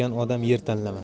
o'lgan odam yer tanlamas